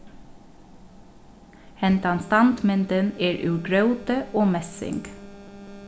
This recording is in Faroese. hendan standmyndin er úr gróti og messing